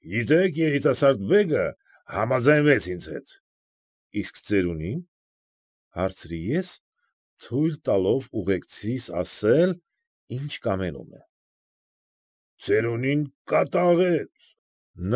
Գիտեք, երիտասարդ բեգը համաձայնվեց ինձ հետ։ ֊ Իսկ ծերունի՞ն,֊ հարցրի ես, թույլ տալով ուղեկցիս ասել՝ ինչ կամենում է։ ֊ Ծերունին կատաղեց։